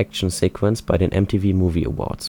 Action Sequence bei den MTV Movie Awards